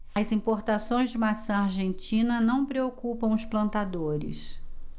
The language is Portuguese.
as importações de maçã argentina não preocupam os plantadores